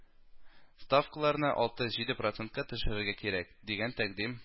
Ставкаларны алты-җиде процентка төшерергә кирәк, дигән тәкъдим